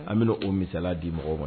An bɛ o misala di mɔgɔ ma